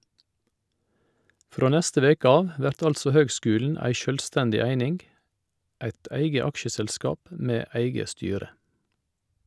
Frå neste veke av vert altså høgskulen ei sjølvstendig eining, eit eige aksjeselskap med eige styre.